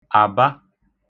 Àba